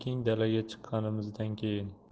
keng dalaga chiqqanimizdan keyin